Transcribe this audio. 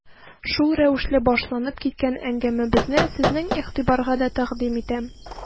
Шул рәвешле башланып киткән әңгәмәбезне сезнең игътибарга да тәкъдим итәм.